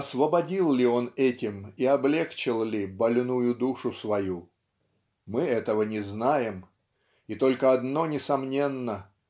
освободил ли он этим и облегчил ли больную душу свою? Мы этого не знаем. И только одно несомненно